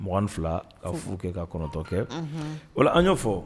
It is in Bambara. M fila ka fu kɛ ka kɔnɔntɔn kɛ walima an y'o fɔ